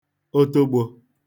otogbō